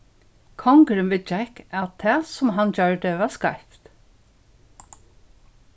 kongurin viðgekk at tað sum hann gjørdi var skeivt